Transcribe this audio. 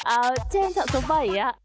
cho em chọn số bảy ạ